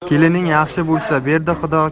kelining yaxshi bo'lsa berdi xudo